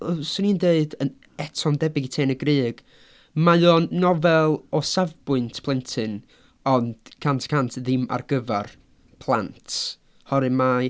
Wy- 'swn i'n deud yn eto yn debyg i Te yn y Grug, mae o'n nofel o safbwynt plentyn ond cant y cant ddim ar gyfer plant. Oherwydd mae...